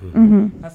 Unhun